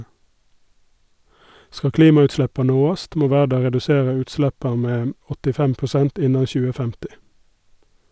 Skal klimautsleppa nåast, må verda redusera utsleppa med 85 prosent innan 2050.